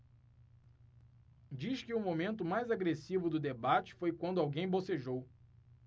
diz que o momento mais agressivo do debate foi quando alguém bocejou